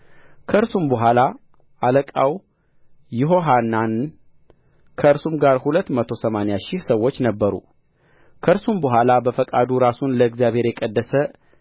ከእርሱም በኋላ አለቃው ይሆሐናን ከእርሱም ጋር ሁለት መቶ ሰማንያ ሺህ ሰዎች ነበሩ ከእርሱም በኋላ በፈቃዱ ራሱን ለእግዚአብሔር የቀደሰ